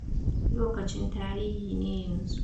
"Lokacin tarihi ne yanzu."